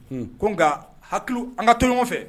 Ko nka hakili an ka to ɲɔgɔn fɛ